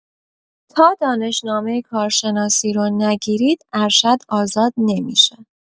تا دانشنامه کارشناسی رو نگیرید ارشد آزاد نمی‌شه